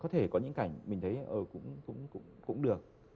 có thể có những cảnh mình thấy ờ cũng cũng cũng cũng được